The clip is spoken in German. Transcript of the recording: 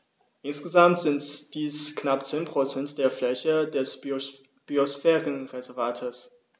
Insgesamt sind dies knapp 10 % der Fläche des Biosphärenreservates.